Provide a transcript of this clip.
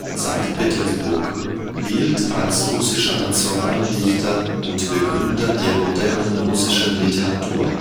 Sankt Petersburg) gilt als russischer Nationaldichter und Begründer der modernen russischen Literatur